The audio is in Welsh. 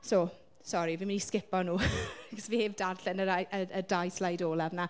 So sori fi'n mynd i sgipio nhw! Achos fi heb darllen y rhai y y dau sleid olaf 'na.